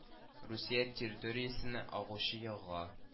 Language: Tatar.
Русия территориясеннән агучы елга